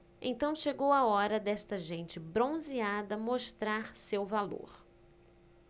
então chegou a hora desta gente bronzeada mostrar seu valor